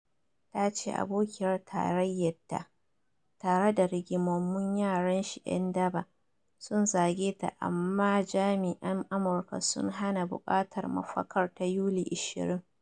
Ta ce abokiyar tarayyar ta “tare da rigimammun yaran shi yan daba,” sun zage ta amma jami’an Amurka sun hana bukatar mafakar ta Yuli 20.